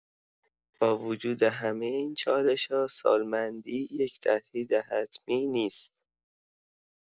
با وجود همه این چالش‌ها، سالمندی یک تهدید حتمی نیست.